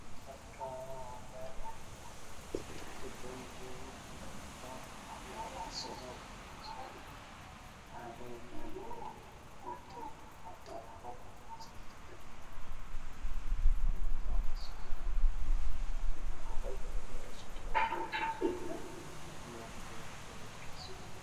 Waa meel dabaq korkiisa ah oo uu yaalo roog cagaar ah iyo kursi madow ah